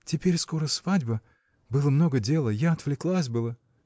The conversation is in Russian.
— Теперь скоро свадьба: было много дела, я отвлеклась было.